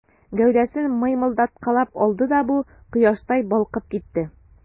Гәүдәсен мыймылдаткалап алды да бу, кояштай балкып китте.